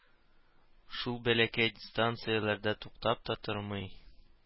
Шул бәләкәй станцияләрдә туктап та тормый.